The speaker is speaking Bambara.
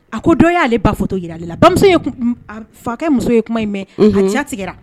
A ko dɔ y'ale ba fɔ gra ale la ba fakɛ muso ye kuma in mɛ a tigɛ